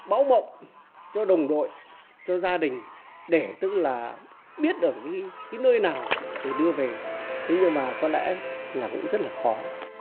báo mộng cho đồng đội cho gia đình để tức là biết được cái cái nơi nào thì đưa về thế nhưng mà có lẽ là cũng rất là khó